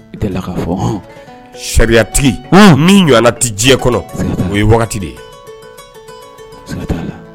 I deli la k'a fɔ. Ɔhɔn. Sariatigi. Ɔn! Min ɲɔɔna tɛ diɲɛ kɔnɔ. Siga tɛ ala . O wagati de ye. Siga t'a la.